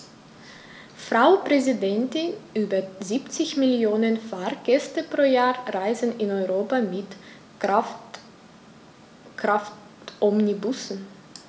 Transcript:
Frau Präsidentin, über 70 Millionen Fahrgäste pro Jahr reisen in Europa mit Kraftomnibussen.